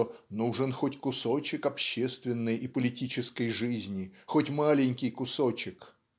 что "нужен хоть кусочек общественной и политической жизни хоть маленький кусочек"